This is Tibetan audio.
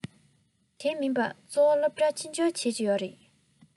དེ མིན པ གཙོ བོ སློབ གྲྭར ཕྱི འབྱོར བྱེད ཀྱི ཡོད རེད